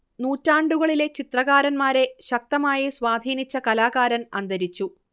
നൂറ്റാണ്ടുകളിലെ ചിത്രകാരന്മാരെ ശക്തമായി സ്വാധീനിച്ച കലാകാരൻ അന്തരിച്ചു